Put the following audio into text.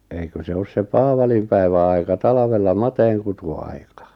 eikö se ole se paavalinpäivän aika talvella mateenkutuaika